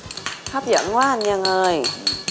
hấp dẫn quá anh nhân ơi